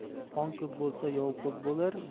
xon ko'p bo'lsa yov ko'p bo'lar